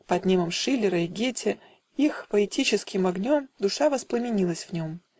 Под небом Шиллера и Гете Их поэтическим огнем Душа воспламенилась в нем